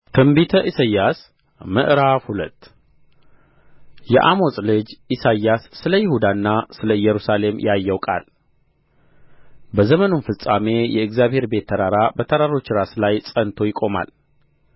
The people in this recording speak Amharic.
ትንቢተ ኢሳይያስ ምዕራፍ ሁለት የአሞጽ ልጅ ኢሳይያስ ስለ ይሁዳና ስለ ኢየሩሳሌም ያየው ቃል በዘመኑም ፍጻሜ የእግዚአብሔር ቤት ተራራ በተራሮች ራስ ላይ ጸንቶ ይቆማል